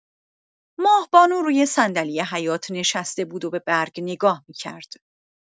ماه‌بانو روی صندلی حیاط نشسته بود و به برگ نگاه می‌کرد.